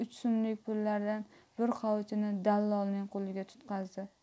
uch so'mlik pullardan bir hovuchini dallolning qo'liga tutqazdi